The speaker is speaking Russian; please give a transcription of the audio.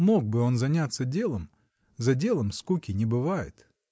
Мог бы он заняться делом: за делом скуки не бывает.